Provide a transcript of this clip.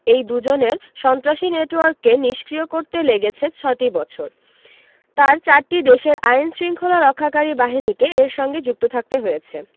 এই দুজনের সন্ত্রাসী নেটওয়ার্ককে নিষ্ক্রিয় করতে লেগেছে ছয়টি বছর তার চারটি দেশের আইনশৃঙ্খলা রক্ষাকারী বাহিনীকে এর সঙ্গে যুক্ত থাকতে হয়েছে